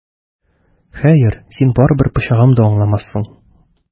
Хәер, син барыбер пычагым да аңламассың!